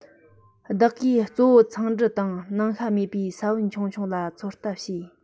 བདག གིས གཙོ བོ འཚང འབྲས དང ནང ཤ མེད པའི ས བོན ཆུང ཆུང ལ ཚོད ལྟ བྱས